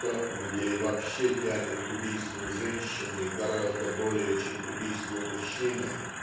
что "людей вообще тянет к убийству женщины гораздо более чем к убийству мужчины